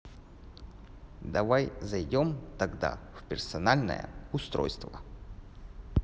давай зайдем тогда в персональное устройство